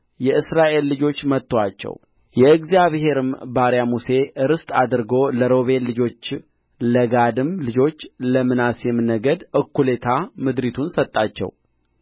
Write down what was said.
የእስራኤል ልጆች መቱአቸው የእግዚአብሔርም ባሪያ ሙሴ ርስት አድርጎ ለሮቤል ልጆች ለጋድም ልጆች ለምናሴም ነገድ እኩሌታ ምድሪቱን ሰጣቸው